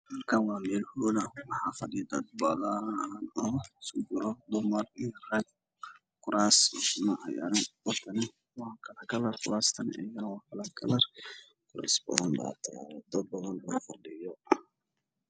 Meeshaan waa meel hool ah waxaa iskugu imaaday dad farabadan waxa ugu soo horeeyo laba ninna naagta waxay qabtaa xijaab jalaa nin sudna shaati cadaan